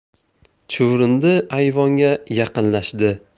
chuvrindi ayvonga yaqinlashdi